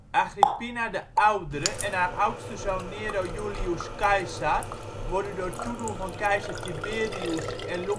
Agrippina de Oudere en haar oudste zoon Nero Julius Caesar, worden door toedoen van keizer Tiberius en